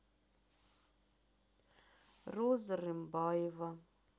роза рымбаева